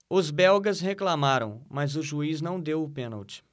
os belgas reclamaram mas o juiz não deu o pênalti